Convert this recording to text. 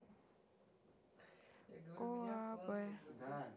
о а бэ